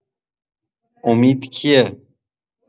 امید کیه